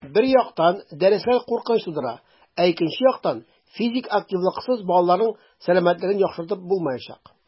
Бер яктан, дәресләр куркыныч тудыра, ә икенче яктан - физик активлыксыз балаларның сәламәтлеген яхшыртып булмаячак.